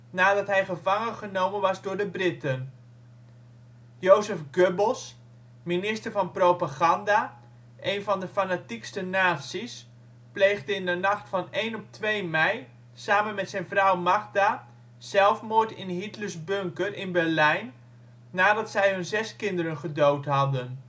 nadat hij gevangengenomen was door de Britten) Joseph Goebbels (Minister van Propaganda, een van de fanatiekste nazi 's, pleegde in de nacht van 1 op 2 mei samen met zijn vrouw Magda zelfmoord in Hitlers bunker in Berlijn nadat zij hun zes kinderen gedood hadden